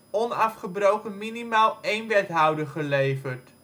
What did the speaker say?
onafgebroken minimaal één wethouder geleverd